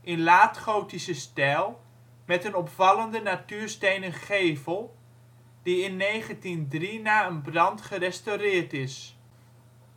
in laat-gotische stijl, met een opvallende natuurstenen gevel, die in 1903 na een brand gerestaureerd is.